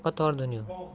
yo'qqa tor dunyo